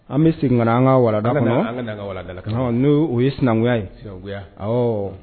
An bɛ segin ka na an ka walanda kɔnɔ; An ka na an ka na an ka walanda la; N' o ye sinankunya ye; Sinankunya; Awɔ.